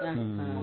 Unhun